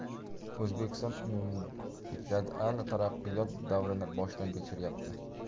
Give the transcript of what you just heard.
o'zbekiston jadal taraqqiyot davrini boshdan kechiryapti